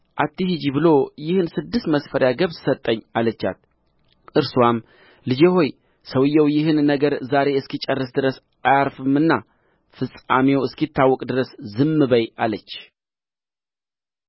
አትሂጂ ብሎ ይህን ስድስት መስፈሪያ ገብስ ሰጠኝ አለቻት እርስዋም ልጄ ሆይ ሰውዮው ይህን ነገር ዛሬ እስኪጨርስ ድረስ አያርፍምና ፍጻሜው እስኪታወቅ ድረስ ዝም በዪ አለች